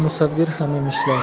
musavvir ham emishlar